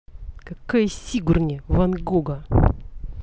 какая сигурни ван гога